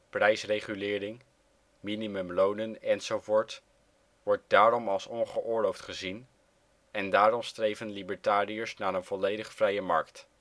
prijsregulering, minimumlonen enzovoort) wordt daarom als ongeoorloofd gezien, en daarom streven libertariërs naar een volledig vrije markt